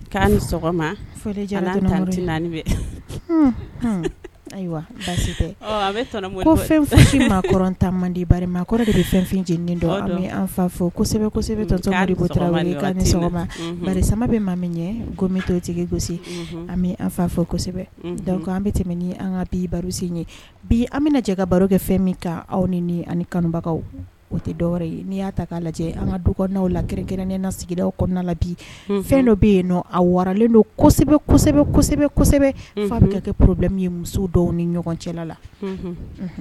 Ayiwa fɛn maa man de bɛ fɛn fɛn fa kosɛbɛ bɛ maa min ɲɛ ko to tigi gosi an an fa fɛ an bɛ tɛmɛ an ka bi ɲɛ bi an bɛ cɛ ka baro kɛ fɛn min aw ni ni kanubagaw o tɛ dɔw ye'i y'a ta k'a lajɛ an ka du'aw la kikɛrɛn ne na sigida kɔnɔna la bi fɛn dɔ bɛ yen nɔ a waralen don kosɛbɛ kosɛbɛ kosɛbɛsɛbɛ fa bɛ kɛoroda ye muso dɔw ni ɲɔgɔn cɛla la